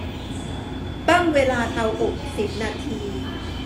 ตั้งเวลาเตาอบสิบนาที